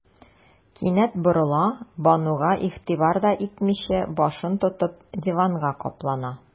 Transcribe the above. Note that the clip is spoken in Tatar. Кинәт борыла, Бануга игътибар да итмичә, башын тотып, диванга каплана.